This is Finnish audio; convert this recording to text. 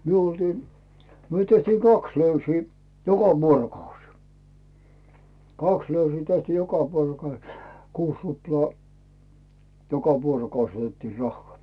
me oltiin me tehtiin kaksi löysiä joka vuorokausi kaksi löysiä tehtiin joka vuorokausi kuusi ruplaa joka vuorokausi otettiin rahaa